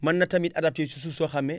mën na tamit adapté si suuf soo xam ne